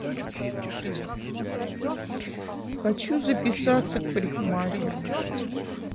хочу записаться к парикмахеру